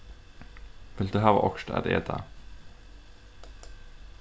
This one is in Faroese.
vilt tú hava okkurt at eta